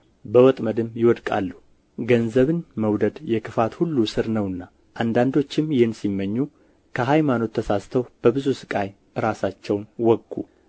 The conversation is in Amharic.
በወጥመድም ይወድቃሉ ገንዘብን መውደድ የክፋት ሁሉ ሥር ነውና አንዳንዶች ይህን ሲመኙ ከሃይማኖት ተሳስተው በብዙ ሥቃይ ራሳቸውን ወጉ